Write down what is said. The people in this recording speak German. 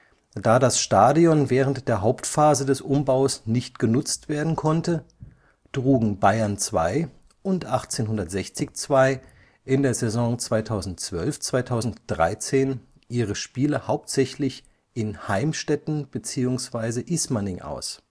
Da das Stadion während der Hauptphase des Umbaus nicht genutzt werden konnte, trugen Bayern II und 1860 II in der Saison 2012/13 ihre Spiele hauptsächlich in Heimstetten bzw. Ismaning aus